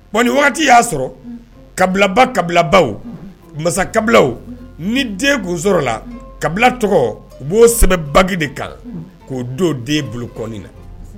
Bon nin wagati y'a sɔrɔ kabilaba kabilabaw masa kabila ni den kun sɔrɔla, kabila tɔgɔ u b'o sɛbɛn bagi de kan lk'o don den bolo kɔni na!